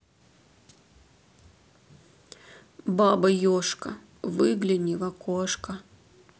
баба ежка выгляни в окошко